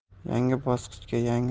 yangi bosqichga yangi